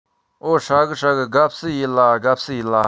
འོ ཧྲ གི ཧྲ གི དགའ བསུ ཡེད ལ དགའ བསུ ཡེད ལ